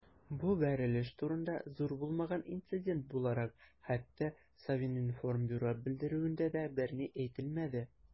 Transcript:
Бу бәрелеш турында, зур булмаган инцидент буларак, хәтта Совинформбюро белдерүендә дә берни әйтелмәде.